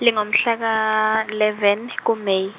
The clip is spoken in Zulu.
lingo mhlaka leveni ku- May.